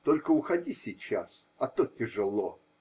Только уходи сейчас, а то тяжело.